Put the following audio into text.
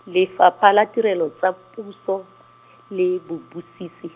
Lefapha la Tirelo tsa Puso, le Bobusisi.